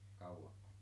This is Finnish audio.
kauanko